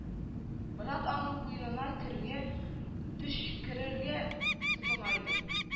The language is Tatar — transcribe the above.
Брат аның куенына керүгә төчкерергә тотына иде